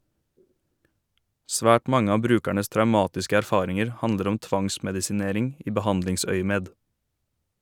Svært mange av brukernes traumatiske erfaringer handler om tvangsmedisinering i behandlingsøyemed.